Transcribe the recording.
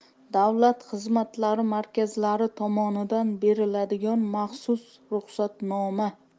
davlat xizmatlari markazlari tomonidan beriladigan maxsus ruxsatnoma